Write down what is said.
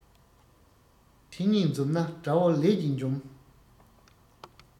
དེ གཉིས འཛོམས ན དགྲ བོ ལས ཀྱིས འཇོམས